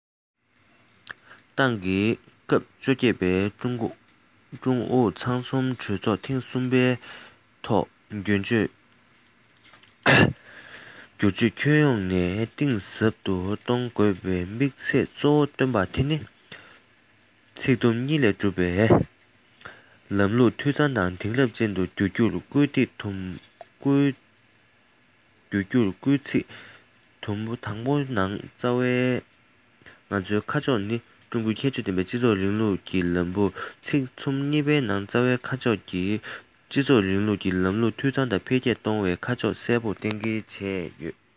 ཏང གི སྐབས བཅོ བརྒྱད པའི ཀྲུང ཨུ ཚང འཛོམས གྲོས ཚོགས ཐེངས གསུམ པའི ཐོག སྒྱུར བཅོས ཁྱོན ཡོངས ནས གཏིང ཟབ ཏུ གཏོང དགོས པའི དམིགས ཚད གཙོ བོ བཏོན པ དེ ནི ཚིག དུམ གཉིས ལས གྲུབ པའི ལམ ལུགས འཐུས ཚང དང དེང རབས ཅན དུ འགྱུར རྒྱུར སྐུལ ཚིག དུམ དང པོའི ནང རྩ བའི ང ཚོའི ཁ ཕྱོགས ནི ཀྲུང གོའི ཁྱད ཆོས ཀྱི སྤྱི ཚོགས རིང ལུགས ཀྱི ལམ བུའི ཚིག དུམ གཉིས པའི ནང རྩ བའི ཁ ཕྱོགས ཀྱི སྤྱི ཚོགས རིང ལུགས ལམ ལུགས འཐུས ཚང དང འཕེལ རྒྱས གཏོང རྒྱུའི ཁ ཕྱོགས གསལ པོ གཏན འཁེལ བྱས ཡོད